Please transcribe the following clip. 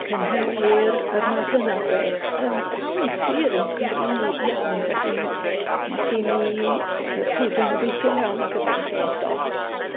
cynhelir a'r math yna o beth yn dal 'i tir yn gry iawn, wedyn ma' gen i yy ffydd dwi'n obeithiol iawn ar gyfar y dyfodol.